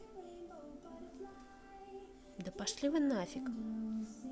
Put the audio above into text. да пошли вы нафиг